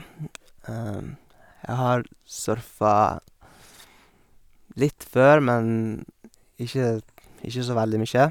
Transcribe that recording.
Jeg har surfa litt før, men ikke ikke så veldig mye.